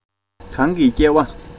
གང གིས བསྐྱལ བ